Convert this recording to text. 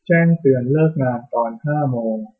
แจ้งเตือนเลิกงานตอนห้าโมง